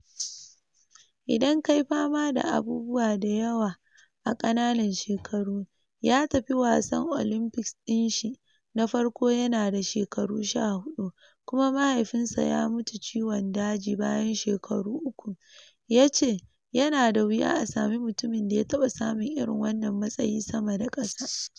"Idan kayi fama da abubuwa da yawa a ƙananan shekaru" - ya tafi wasan Olympics din shi na farko yana da shekaru 14 kuma mahaifinsa ya mutu ciwon daji bayan shekaru uku - ya ce yana da wuya a sami mutumin da ya taɓa samun irin wannan matsayi sama da kasa.